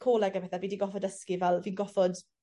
coleg a bethe fi 'di goffod dysgu fel fi'n goffod